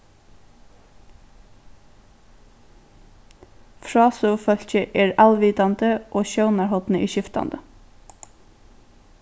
frásøgufólkið er alvitandi og sjónarhornið er skiftandi